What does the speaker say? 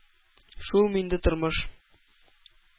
Шулмы инде тормыш!